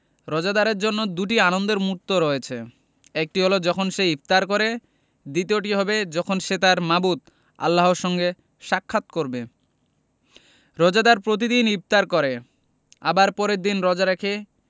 রোজাদারের জন্য দুটি আনন্দের মুহূর্ত রয়েছে একটি হলো যখন সে ইফতার করে দ্বিতীয়টি হবে যখন সে তাঁর মাবুদ আল্লাহর সঙ্গে সাক্ষাৎ করবে রোজাদার প্রতিদিন ইফতার করে আবার পরের দিন রোজা রাখে